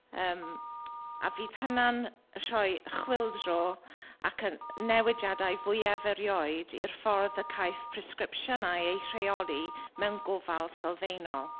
Yym a fydd hynna'n rhoi chwyldro ac yn newidiadau fwyaf erioed i'r ffordd y caiff presgripsiynau ei rheoli mewn gofal sylfaenol.